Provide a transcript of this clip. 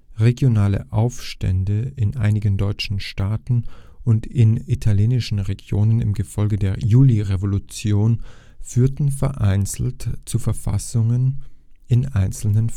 Regionale Aufstände in einigen deutschen Staaten und in italienischen Regionen im Gefolge der Julirevolution führten vereinzelt zu Verfassungen in einzelnen